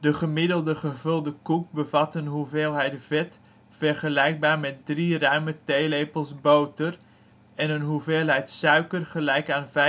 gemiddelde gevulde koek bevat een hoeveelheid vet vergelijkbaar met 3 ruime theelepels boter en een hoeveelheid suiker gelijk aan 5